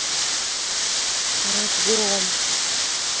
разгром